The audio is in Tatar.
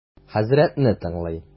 Хәзрәтне тыңлый.